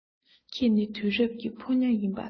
ཁྱེད ནི དུས རབས ཀྱི ཕོ ཉ ཡིན པ དང